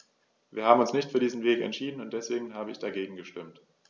Wir haben uns nicht für diesen Weg entschieden, und deswegen habe ich dagegen gestimmt.